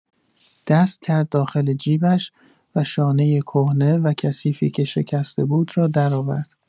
دست کرد داخل جیبش و شانۀ کهنه و کثیفی که شکسته بود را درآورد.